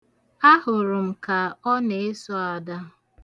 Ahụrụ m ya ka ọ na-eso Ada .